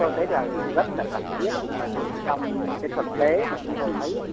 tôi thấy là rất là cần thiết bởi vì trong cái thực tế mà chúng tôi thấy